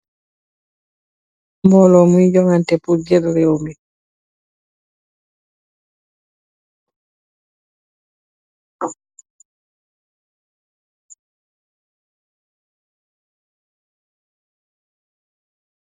Mboolo mui jonganteh purr jel rew mi.